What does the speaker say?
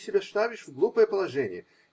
Ты себя ставишь в глупое положение.